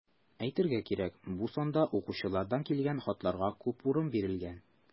Әйтергә кирәк, бу санда укучылардан килгән хатларга күп урын бирелгән.